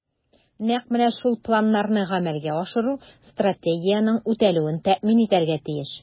Нәкъ менә шул планнарны гамәлгә ашыру Стратегиянең үтәлүен тәэмин итәргә тиеш.